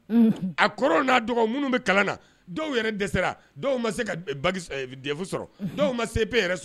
A kɔrɔ n'a minnu bɛ kalan na dɔw yɛrɛ dɛsɛ dɔw ma se ka sɔrɔ dɔw ma se yɛrɛ sɔrɔ